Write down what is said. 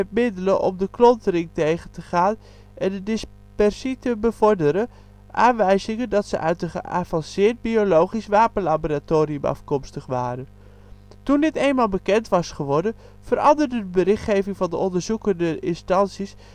middelen om de klontering tegen te gaan en de dispersie te bevorderen, aanwijzingen dat ze uit een geavanceerd biologisch wapenlaboratorium afkomstig waren. Toen dit eenmaal bekend was geworden veranderde de berichtgeving van de onderzoekende instanties